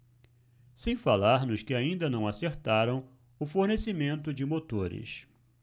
sem falar nos que ainda não acertaram o fornecimento de motores